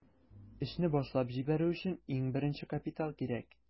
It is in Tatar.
Эшне башлап җибәрү өчен иң беренче капитал кирәк.